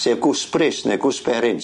Sef gooseberries ne' gooseberyns.